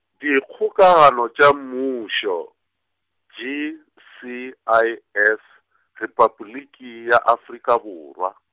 Dikgokagano tša Mmušo, G C I S, Repabliki ya Afrika Borwa.